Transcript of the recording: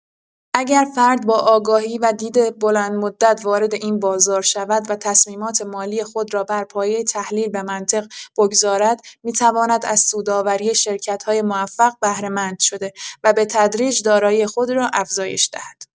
اگر فرد با آگاهی و دید بلندمدت وارد این بازار شود و تصمیمات مالی خود را بر پایه تحلیل و منطق بگذارد، می‌تواند از سودآوری شرکت‌های موفق بهره‌مند شده و به‌تدریج دارایی خود را افزایش دهد.